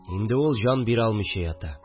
Инде ул җан бирә алмыйча ята